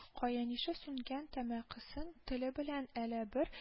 Каенише, сүнгән тәмәкесен теле белән әле бер